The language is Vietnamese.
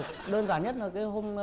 đơn giản nhất là cái hôm